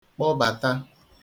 kpọbata